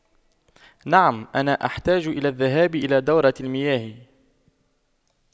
نعم انا احتاج الى الذهاب إلى دورة المياه